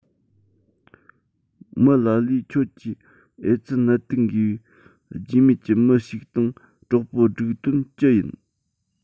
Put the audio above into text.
མི ལ ལས ཁྱོད ཀྱིས ཨེ ཙི ནད དུག འགོས པའི རྒྱུས མེད ཀྱི མི ཞིག དང གྲོགས པོ སྒྲིག དོན ཅི ཡིན